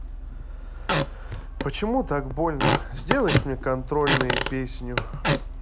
почему так больно сделаешь мне контрольные песню